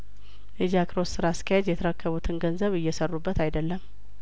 የጃክሮስ ስራ አስኪያጅ የተረከቡትን ገንዘብ እየሰሩ በት አይደለም